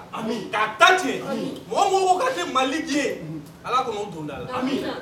' mɔgɔ mɔgɔw ka tɛ mali jɛ ala tunda la